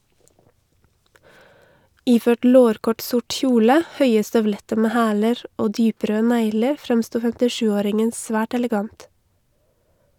Iført lårkort sort kjole, høye støvletter med hæler og dyprøde negler fremsto 57-åringen svært elegant.